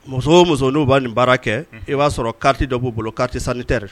Muso o muso no ba nin baara kɛ Unhun i ba sɔrɔ carte dɔ bu bolo carte sanitaire